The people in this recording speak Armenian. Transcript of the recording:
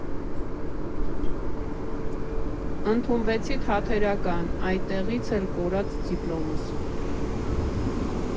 Ընդունվեցի Թատերական, այդտեղից էլ՝ կորած դիպլոմս։